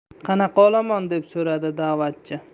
qanaqa olomon deb so'radi da'vatchi